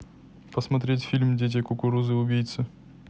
посмотреть фильмы дети кукурузы убийцы